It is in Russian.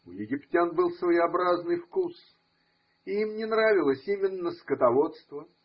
У египтян был своеобразный вкус, и им не нравилось именно скотоводство.